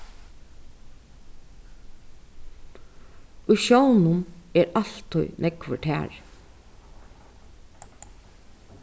í sjónum er altíð nógvur tari